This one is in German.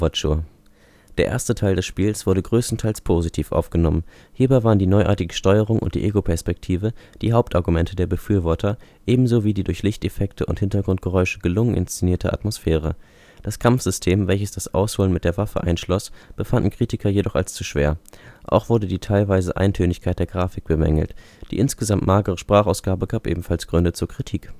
Der erste Teil des Spieles wurde größtenteils positiv aufgenommen. Hierbei waren die neuartige Steuerung und die Egoperspektive die Hauptargumente der Befürworter, ebenso wie die durch Lichteffekte und Hintergrundgeräusche gelungen inszenierte Atmosphäre. Das Kampfsystem, welches das Ausholen mit der Waffe einschloss, befanden Kritiker jedoch als zu schwer. Auch wurde die teilweise Eintönigkeit der Grafik bemängelt. Die insgesamt magere Sprachausgabe gab ebenfalls Gründe zur Kritik